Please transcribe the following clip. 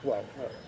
waaw waaw